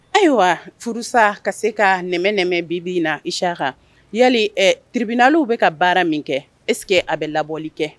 Ayiwa furusa ka se ka nɛnɛmɛ bibi in na isa yalali ɛ tribina bɛ ka baara min kɛ esseke a bɛ labɔli kɛ